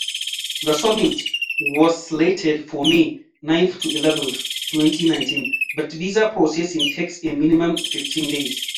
The summit was slated for May 9-11, 2019, but visa processing takes a minimum 15 days.